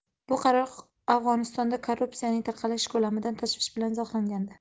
bu qaror afg'onistonda korrupsiyaning tarqalish ko'lamidan tashvish bilan izohlangandi